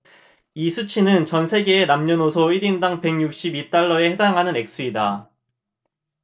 이 수치는 전 세계의 남녀노소 일 인당 백 육십 이 달러에 해당하는 액수이다